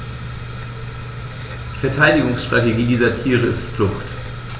Die Verteidigungsstrategie dieser Tiere ist Flucht.